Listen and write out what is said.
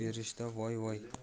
berishda voy voy